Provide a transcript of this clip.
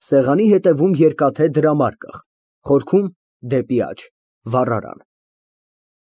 Սեղանի հետևում երկաթե դրամարկղ։ Խորքում, դեպի աջ֊ վառարան։